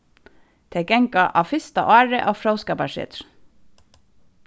tey ganga á fyrsta ári á fróðskaparsetrinum